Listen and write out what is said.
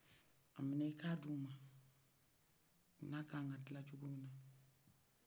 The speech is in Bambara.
aminɛ i ka d'u ma n'a kakan ka gilan cɔkɔmina